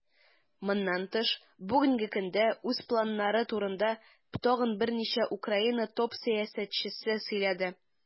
Моннан тыш, бүгенге көнгә үз планнары турында тагын берничә Украина топ-сәясәтчесе сөйләде.